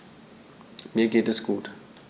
Mir geht es gut.